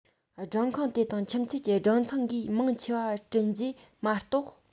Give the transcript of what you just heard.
སྦྲང ཁང དེ དང ཁྱིམ མཚེས ཀྱི སྦྲང ཚང འགའི མང ཆེ བ བསྐྲུན རྗེས མ གཏོགས